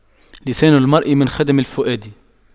لسان المرء من خدم الفؤاد